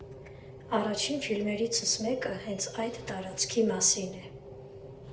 Առաջին ֆիլմերիցս մեկը հենց այդ տարածքի մասին է։